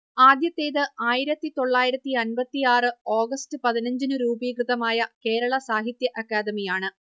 ആദ്യത്തേത് ആയിരത്തി തൊള്ളായിരത്തിയൻപത്തിയാറ് ഓഗസ്റ്റ് പതിനഞ്ചിനു രൂപീകൃതമായ കേരള സാഹിത്യ അക്കാദമി യാണ്